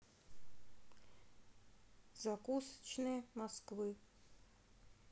закусочные москвы